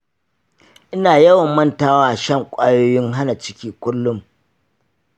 ina yawan mantawa shan kwayoyin hana ciki kullum.